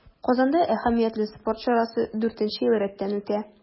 Казанда әһәмиятле спорт чарасы дүртенче ел рәттән үтә.